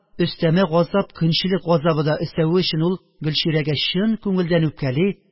Өстәмә газап – көнчелек газабы да өстәве өчен, ул гөлчирәгә чын күңелдән үпкәли